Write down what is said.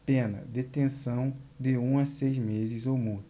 pena detenção de um a seis meses ou multa